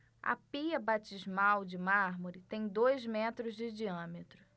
a pia batismal de mármore tem dois metros de diâmetro